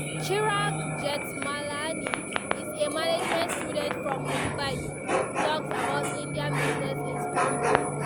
Chirag Jethmalani is a management student from Mumbai who blogs about Indian business in Squamble.